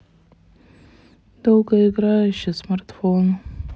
долгоиграющий смартфон